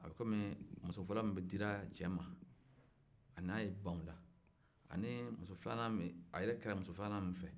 a be kɔmi inafɔ muso fɔlɔ min dira cɛ ma n'a y'a ban o la ani a yɛrɛ kɛra muso filanan min fɛ